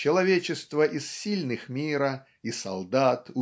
человечество из сильных мира и солдат